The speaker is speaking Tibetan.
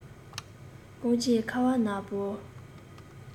རྐང རྗེས ཁ བ ན བོར